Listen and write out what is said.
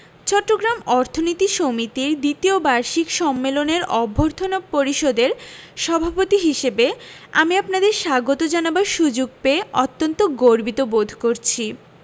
চট্টগ্রাম অর্থনীতি সমিতির দ্বিতীয় বার্ষিক সম্মেলনের অভ্যর্থনা পরিষদের সভাপতি হিসেবে আমি আপনাদের স্বাগত জানাবার সুযোগ পেয়ে অত্যন্ত গর্বিত বোধ করছি